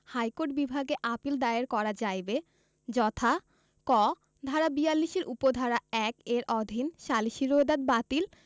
high court বিভাগে appeal দায়ের করা যাইবে যথা ক ধারা ৪২ এর উপ ধারা ১ এর অধীন সালিসী রোয়েদাদ বাতিল